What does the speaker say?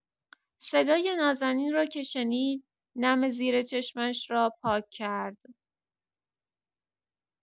صدای نازنین را که شنید، نم زیر چشمش را پاک کرد.